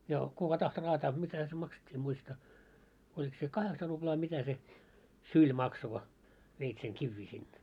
ja kuka tahtoi raataa mitähän se maksettiin en muista oliko se kahdeksan ruplaa mitä se syli maksoi kun veit sen kiviä sinne